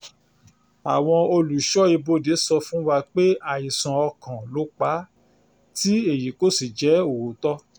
Àwọn ẹ̀ṣọ́-ibodè sọ fún wa pé àìsàn ọkàn ló pa á, tí èyí kò sì jẹ́ òtítọ́.